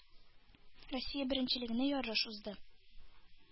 Россия беренчелегенә ярыш узды.